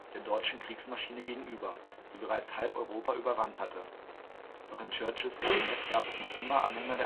der deutschen Kriegsmaschine gegenüber, die bereits halb Europa überrannt hatte. Doch in Churchills Kabinett gab es noch immer Anhänger